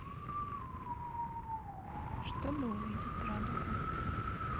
чтобы увидеть радугу